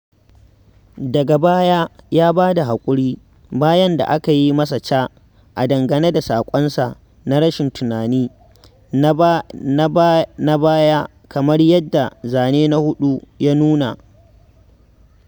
Daga baya ya ba da haƙuri, bayan da aka yi masa ca, a dangane da saƙonsa na "rashin tunani" na baya kamar yadda Zane na 4 ya nuna.